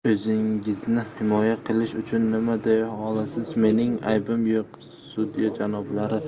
o'zingizni himoya qilish uchun nima deya olasiz mening aybim yo'q sudya janoblari